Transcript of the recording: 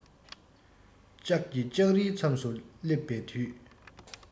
ལྕགས ཀྱི ལྕགས རིའི མཚམས སུ སླེབས པའི དུས